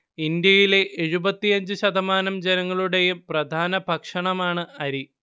ഇന്ത്യയിലെ എഴുപത്തിയഞ്ച് ശതമാനം ജനങ്ങളുടേയും പ്രധാന ഭക്ഷണമാണ് അരി